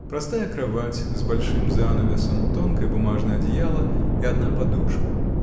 Простая кровать с большим занавесом, тонкое бумажное одеяло и одна подушка.